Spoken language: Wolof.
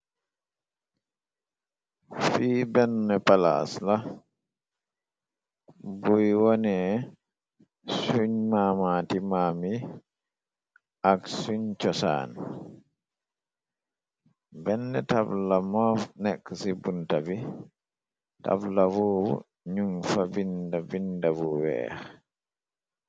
Fi benn palaas la buy wone suñ maamaati mami ak suñ cosaan benn tabla moo nekk ci bunta bi tablawuuw num fa vindawu weex.